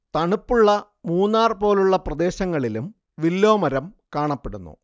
തണുപ്പുള്ള മൂന്നാർ പോലുള്ള പ്രദേശങ്ങളിലും വില്ലൊ മരം കാണപ്പെടുന്നു